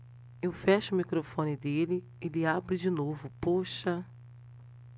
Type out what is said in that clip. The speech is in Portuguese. eu fecho o microfone dele ele abre de novo poxa